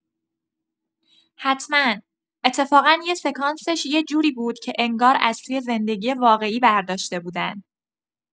حتما، اتفاقا یه سکانسش یه جوری بود که انگار از توی زندگی واقعی برداشته بودن.